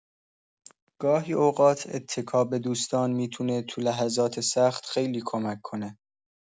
گاهی اوقات اتکا به دوستان می‌تونه تو لحظات سخت خیلی کمک کنه.